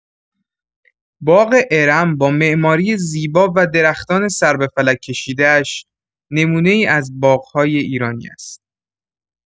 باغ ارم با معماری زیبا و درختان سر به فلک کشیده‌اش، نمونه‌ای از باغ‌های ایرانی است.